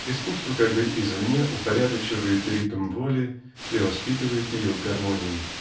искусство как бы извне упорядочивает ритм воли и воспитывает ее к гармонии.